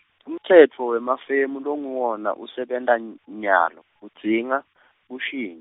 umtsetfo wemafemu longuwona usebenta n- nyalo, udzinga , kuntjin-.